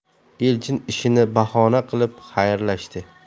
elchin ishini bahona qilib xayrlashdi